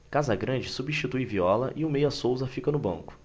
casagrande substitui viola e o meia souza fica no banco